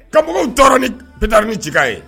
Ka mɔgɔw tɔɔrɔ ni pta ni ci'a ye